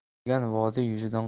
gullagan vodiy yuzidan